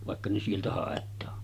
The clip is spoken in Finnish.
vaikka ne sieltä haetaan